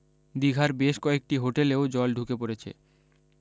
দিঘার বেশ কয়েকটি হোটেলেও জল ঢুকে পড়েছে